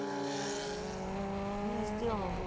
я сделал